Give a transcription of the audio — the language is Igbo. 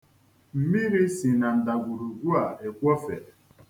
Mmiri si na ndagwurugwu a ekwofe.